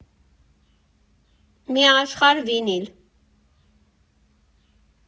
Մի աշխարհ վինիլ։